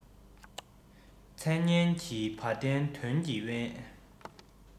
མཚན སྙན གྱི བ དན དོན གྱིས དབེན